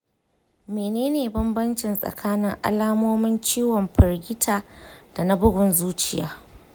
menene bambanci tsakanin alamomin ciwon firgita da na bugun zuciya?